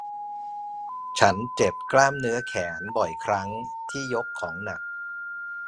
ฉันเจ็บกล้ามเนื้อแขนบ่อยครั้งที่ยกของหนัก